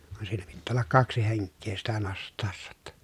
vaan siinä pitää olla kaksi henkeä sitä nostaessa jotta